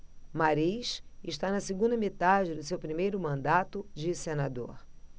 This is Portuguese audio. mariz está na segunda metade do seu primeiro mandato de senador